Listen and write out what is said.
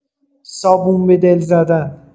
صابون به دل زدن